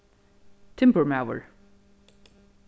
timburmaður